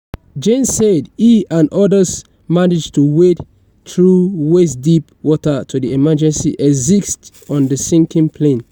Jaynes said he and others managed to wade through waist-deep water to the emergency exits on the sinking plane.